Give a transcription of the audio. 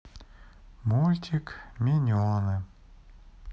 мультик миньоны